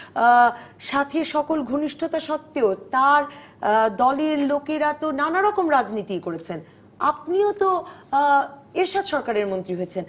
সাথী সকল ঘনিষ্ঠতা সত্বেও তার দলের লোকেরা তো নানারকম রাজনীতি করেছেন আপনিও তো এরশাদ সরকারের মন্ত্রী হয়েছেন